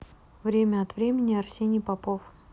время от времени арсений попов